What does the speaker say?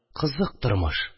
Кызык тормыш